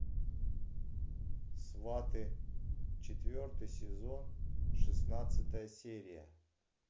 сваты четвертый сезон шестнадцатая серия